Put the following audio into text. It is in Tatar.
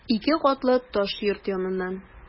Ике катлы таш йорт яныннан...